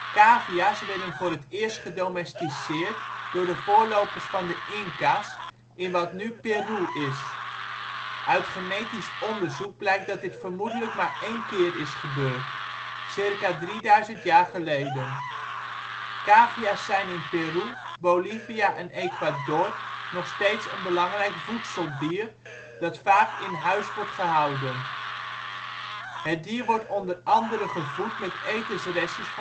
Cavia 's werden voor het eerst gedomesticeerd door de voorlopers van de Inca 's in wat nu Peru is. Uit genetisch onderzoek blijkt dat dit vermoedelijk maar één keer is gebeurd, ca. 3000 jaar geleden. Cavia 's zijn in Peru, Bolivia en Ecuador nog steeds een belangrijk voedseldier, dat vaak in huis wordt gehouden. Het dier wordt onder andere gevoed met etensrestjes